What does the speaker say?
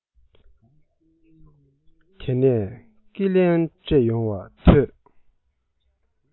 དེ ནས ཀི ལན སྤྲད ཡོང བ ཐོས